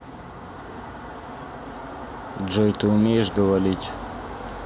джой ты умеешь говорить